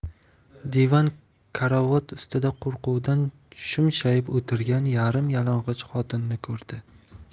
divan karavot ustida qo'rquvdan shumshayib o'tirgan yarim yalang'och xotinni ko'rdi